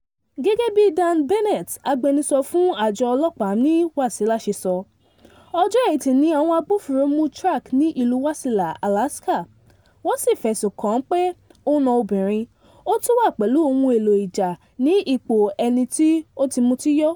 Gẹ́gẹ́ bí Dan Bennett, agbẹnusọ fún àjọ ọlọ́pàá mí Wasilla ṣe sọ, Ọjọ ẹtì ni àwọn agbófinró mú Track ní ìlú Wasilla, Alaska, wọ́n sì fẹ̀sùn kàn án pé ò na obìnrin, ó tún wà pẹ̀lú ohun èlò ìjà ní ipò ẹni ti ó ti mú ọtí yó.